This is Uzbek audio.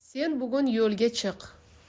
sen bugun yo'lga chiq